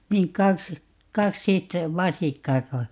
niin kaksi - vasikkaako